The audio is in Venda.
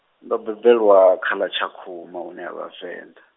ndo bebelwa, kha ḽa Tshakhuma hune ha vha Venḓa.